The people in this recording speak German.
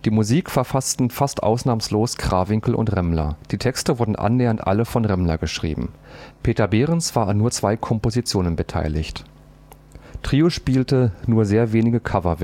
Musik verfassten fast ausnahmslos Krawinkel und Remmler, die Texte wurden annähernd alle von Remmler geschrieben. Peter Behrens war an nur zwei Kompositionen beteiligt. Trio spielte nur sehr wenige Cover-Versionen